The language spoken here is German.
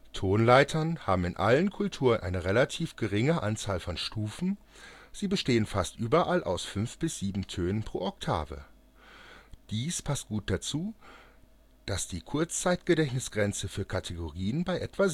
Tonleitern haben in allen Kulturen eine relativ geringe Anzahl von Stufen, sie bestehen fast überall aus 5 bis 7 Tönen pro Oktave. Dies passt gut dazu, dass die Kurzzeitgedächtnisgrenze für Kategorien bei etwa